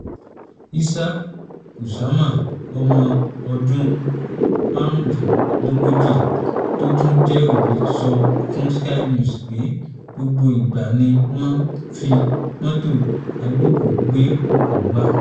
Risa Kusuma, ọmọ ọdún márùn-úndínlógójiị̀ (35) tó tún jẹ́ òbí sọ fun Sky News pé: “Gbogbo ìgbà ni wọ́n n fi mọ́tò-agbókùú gbé òkú wa.